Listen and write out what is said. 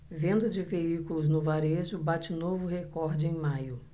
venda de veículos no varejo bate novo recorde em maio